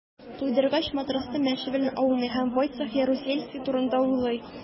Туйдыргач, матраста мәче белән ауный һәм Войцех Ярузельский турында уйлый.